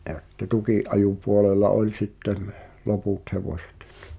ja sitten tukinajopuolella oli sitten loput hevoset